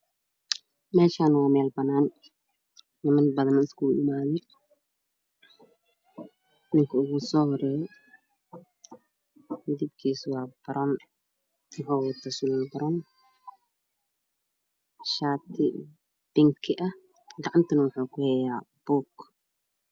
Meshan waa meel banaan niman badanaa isugu imaaday ninka oogu soo horeeyo midabkiisa waa brown wuxuu wataa surwaal brown shaati pink ah gacantana wuxuu ku hayaa buug